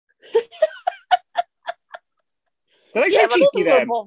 Did I say cheeky then?